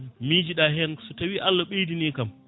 miijiɗa hen so tawi Allah ɓeydonoyi kam